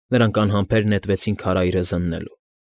Նրանք անհամբեր նետվեցին քարայրը զննելու։